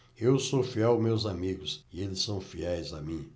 eu sou fiel aos meus amigos e eles são fiéis a mim